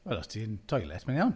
Wel, os ti'n toilet, mae'n iawn.